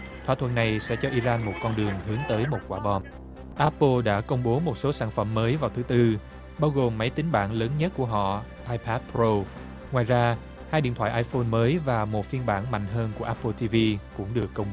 thỏa thuận này sẽ cho i ran một con đường hướng tới một quả bom áp pồ đã công bố một số sản phẩm mới vào thứ tư bao gồm máy tính bảng lớn nhất của họ i bát bâu ngoài ra hai điện thoại ai phôn mới và một phiên bản mạnh hơn của áp pồ ti vi cũng được công bố